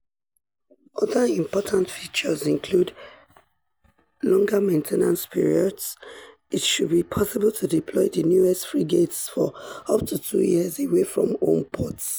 Other important features include longer maintenance periods - it should be possible to deploy the newest frigates for up to two years away from home ports.